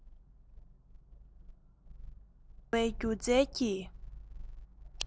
འབྲེལ བའི སྒྱུ རྩལ གྱི